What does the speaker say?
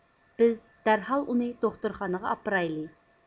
بىز دەرھال ئۇنى دوختۇرخانىغا ئاپىرايلى